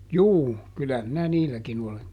juu kyllä minä niilläkin olen